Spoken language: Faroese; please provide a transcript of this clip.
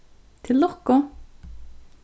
til lukku